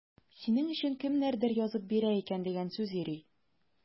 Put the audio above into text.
Синең өчен кемнәрдер язып бирә икән дигән сүз йөри.